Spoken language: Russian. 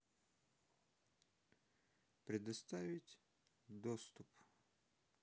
предоставить доступ